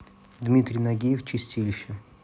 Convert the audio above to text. дмитрий нагиев чистилище